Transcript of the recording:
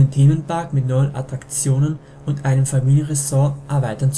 Themenpark mit neuen Attraktionen und einem Familienressort erweitern zu